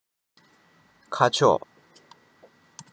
ཁ ཕྱོགས